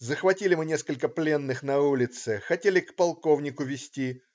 Захватили мы несколько пленных на улице. Хотели к полковнику вести.